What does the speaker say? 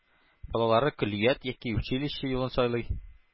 Балалары көллият яки училище юлын сайлый.